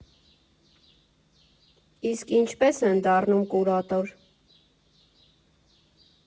Իսկ ինչպե՞ս են դառնում կուրատոր։